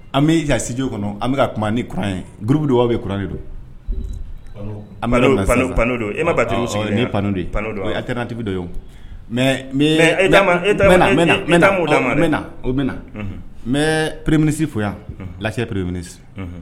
An bɛ sj kɔnɔ an bɛ ka kuma ni kuran ye gurubu' bɛ kurannen don a ma don e ma sɔrɔ pan don ye a tɛtibi dɔ o mɛ n e'a n bɛ o bɛ na n bɛ pere minisi fo yan la pere minisi